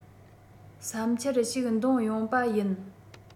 བསམ འཆར ཞིག འདོན ཡོང པ ཡིན